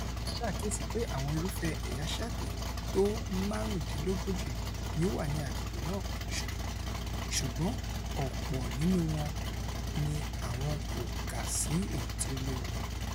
Giles ṣàkíyèsí pé àwọn irúfẹ́ ẹ̀yà sáàkì tó máàrùndínlógójì ni o wà ní agbègbè̀ náà, ṣùgbọ́n ọ̀pọ̀ nínú wọn ni àwọn kò kà sí èyití ó léwu.